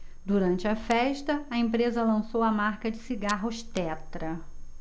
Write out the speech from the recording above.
durante a festa a empresa lançou a marca de cigarros tetra